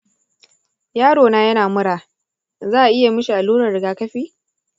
yarona yana mura, za'a iya mishi allurar rigakafin?